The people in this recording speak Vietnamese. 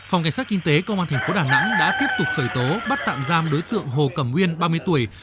phòng cảnh sát kinh tế công an thành phố đà nẵng đã tiếp tục khởi tố bắt tạm giam đối tượng hồ cẩm uyên ba mươi tuổi